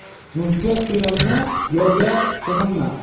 muzga suyanma yovga sig'inma